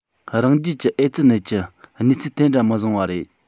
རང རྒྱལ གྱི ཨེ ཙི ནད ཀྱི གནས ཚུལ དེ འདྲ མི བཟང བ རེད